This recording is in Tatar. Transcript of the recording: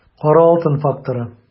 Кара алтын факторы